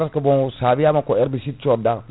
par ce que bon sa wiyama ko herbicide codɗa